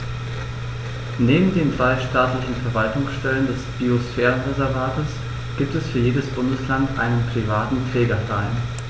Neben den drei staatlichen Verwaltungsstellen des Biosphärenreservates gibt es für jedes Bundesland einen privaten Trägerverein.